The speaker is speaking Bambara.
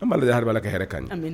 ' ka hɛrɛ kan an bi